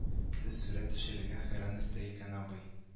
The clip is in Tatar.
Сез сурәт төшерергә хәйран оста икән абый